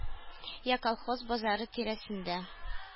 Йә колхоз базары тирәсендә